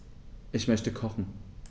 Ich möchte kochen.